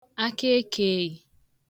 akị ekeì